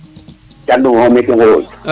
Thiandoumo mi yo